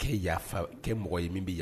Kɛ yaa kɛ mɔgɔ min bɛ yafa